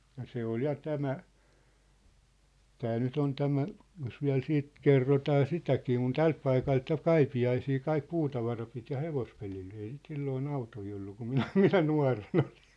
ja se oli ja tämä että nyt on tämä jos vielä sitten kerrotaan sitäkin kun tältä paikalta ja Kaipiaisiin kaikki puutavara piti ja hevospelillä ei sitä silloin autoja ollut kun minä minä nuorena olin